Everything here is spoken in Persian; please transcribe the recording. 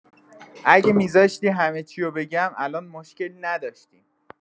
اگه میزاشتی همه چیو بگم الان مشکلی نداشتیم.